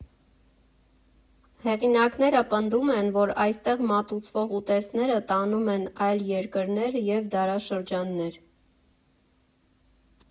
Հեղինակները պնդում են, որ այստեղ մատուցվող ուտեստները տանում են այլ երկրներ և դարաշրջաններ։